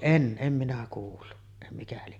en en minä kuullut että mikä lie